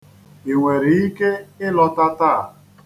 I nwere ike ịlọta taa?